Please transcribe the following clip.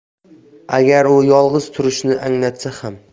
agar u yolg'iz turishni anglatsa ham